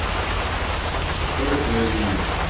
что такое зенит